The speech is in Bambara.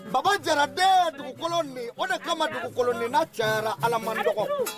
Baba jara den ye dugukolo min , o de kama dugukolo nin na caayara allah man dɔgɔ!